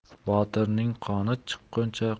botirning qoni chiqquncha